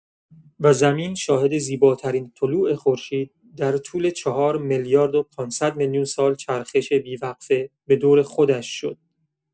و زمین شاهد زیباترین طلوع خورشید در طول چهار میلیارد و پانصد میلیون سال چرخش بی‌وقفه به دور خودش شد.